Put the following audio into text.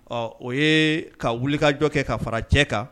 Ɔ o ye ka wulikajɔ kɛ ka fara cɛ kan